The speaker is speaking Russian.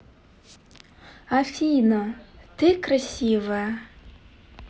афина ты красивая